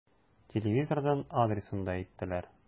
Телевизордан адресын да әйттеләр.